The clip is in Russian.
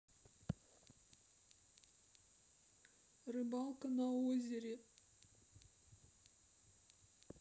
рыбалка на озере